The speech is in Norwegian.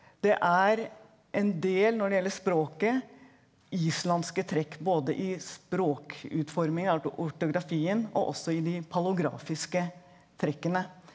det er en del når det gjelder språket, islandske trekk, både i språkutforming ortografien og også i de paleografiske trekkene.